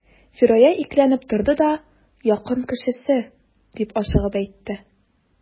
Фирая икеләнеп торды да: — Якын кешесе,— дип ашыгып әйтте.